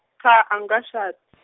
cha angikashad- .